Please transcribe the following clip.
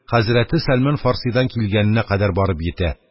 Хәзрәти сәлман фарсидан килгәненә кадәр барып йитә,